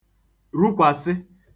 rukwàsị